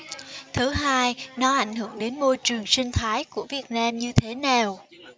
thứ hai nó ảnh hưởng đến môi trường sinh thái của việt nam như thế nào